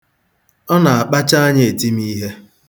Ọ na-akpacha anya eti m ihe.